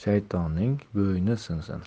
shaytonning bo'yni sinsin